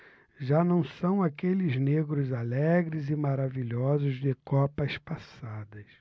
já não são aqueles negros alegres e maravilhosos de copas passadas